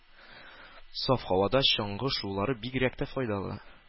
Саф һавада чаңгы шуулары бигрәк тә файдалы.